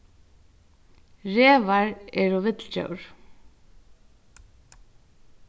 revar eru vill djór